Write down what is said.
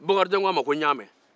bokarijan k'a ma n'ya a mɛn